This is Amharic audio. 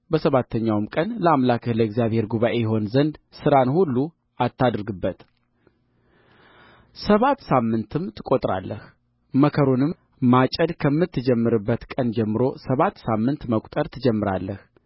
በሰባተኛውም ቀን ለአምላክህ ለእግዚአብሔር ጉባኤ ይሁን ሥራን ሁሉ አታድርግበት ሰባት ሳምንትም ትቈጥራለህ መከሩን ማጨድ ከምትጀምርበት ቀን ጀምሮ ሰባት ሳምንት መቍጠር ትጀምራለህ